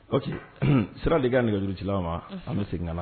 Pa que sira de ka nɛgɛjurusilaw ma an bɛ segin kana na